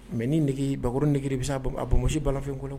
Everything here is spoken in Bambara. Mɛ ni nɛgɛge bakuru nege i bɛ a bonmosi bafɛn kɔnɔ